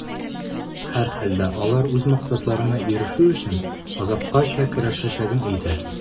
Һәрхәлдә, алар үз максатларына ирешү өчен, азаккача көрәшәчәген әйтә.